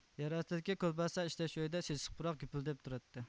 يەر ئاستىدىكى كولباسا ئىشلەش ئۆيىدە سېسىق پۇراق گۈپۈلدەپ تۇراتتى